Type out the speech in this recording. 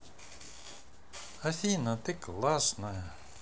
афина ты классная